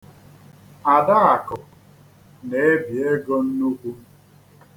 Adaakụ na-ebi ego nnukwu.